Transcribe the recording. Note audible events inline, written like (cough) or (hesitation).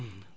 (hesitation) (hesitation)